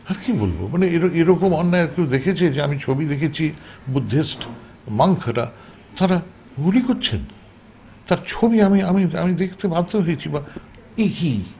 আর কি বলব এরকম অন্যায় আর কেউ দেখেছে যে আমি ছবি দেখেছি বুদ্ধিস্ট মংকরা তারা গুলি করছেন তার ছবি আমি আমি আমি হতে বাধ্য হয়েছি একি